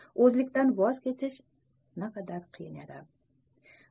o'zlikdan voz kechish qadar qiyin edi